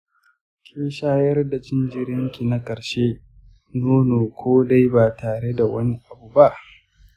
kin shayar da jaririnki na ƙarshe nono kaɗai ba tare da wani abu ba?